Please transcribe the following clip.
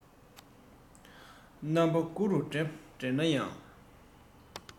རྣམ པ དགུ རུ འདྲེན ན ཡང